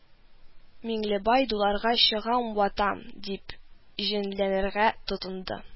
Миңлебай дуларга, "чыгам, ватам", дип җенләнергә тотынды